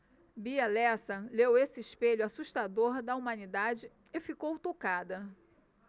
bia lessa leu esse espelho assustador da humanidade e ficou tocada